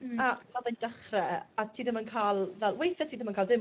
Hmm. ...a ma' fe'n dechre a ti ddim yn ca'l fel weithie ti ddim yn ca'l dim